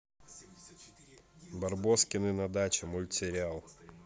барбоскины на даче мультсериал